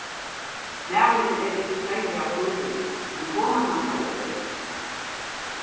maðurin er ikki serliga blíður men kona hansara er